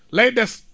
lay des